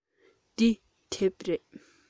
འདི དེབ རེད